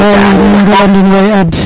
nuun mbala nun waay Ad